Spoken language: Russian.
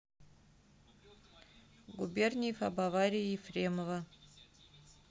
губерниев об аварии ефремова